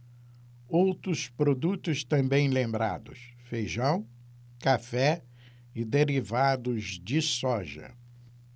outros produtos também lembrados feijão café e derivados de soja